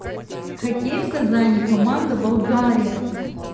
хоккей в казани команда болгария